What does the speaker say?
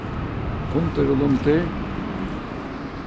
fundir og lundir